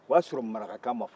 o y'a sɔrɔ marakakan ma fɔ